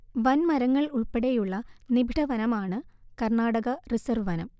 വൻമരങ്ങൾ ഉൾപ്പെടെയുള്ള നിബിഢവനമാണ് കർണാടക റിസർവ് വനം